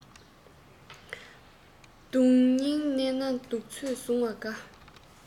སྡུག སྙིང མནན ནས སྡུག ཚོད བཟུང བ དགའ